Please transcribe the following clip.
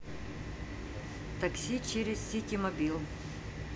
такси через ситимобил